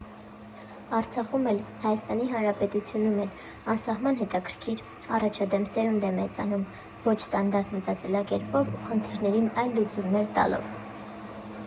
Արցախում էլ, ՀՀ֊ում էլ անսահման հետաքրքիր, առաջադեմ սերունդ է մեծանում՝ ոչ ստանդարտ մտածելակերպով ու խնդիրներին այլ լուծումներ տալով։